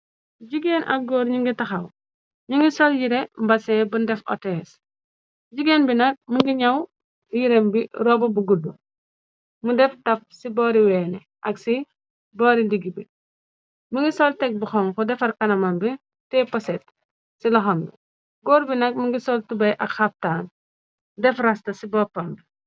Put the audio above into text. jigeen ak góor ñu ngi taxaw ñu ngi sol yire mbasin bundef otees jigeen bi nag mu ngi ñaw yirem bi roba bu gudd mu def tap ci booriweene ak ci boori ldigg bi mu ngi sol teg bu xoŋ xu defar kanaman bi teeposet ci loxam bi góor bi nag mu ngi sol tubay ak xaptaan def rasta ci boppam bi